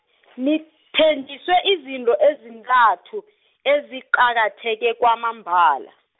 ngithenjiswe izinto ezintathu, eziqakatheke kwamambala.